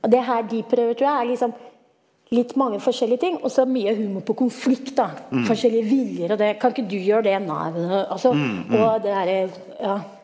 og det her de prøver trur jeg er liksom litt mange forskjellige ting også mye humor på konflikt da forskjellige viljer og det, kan ikke du gjøre det, nei vet du hva altså og det herre ja.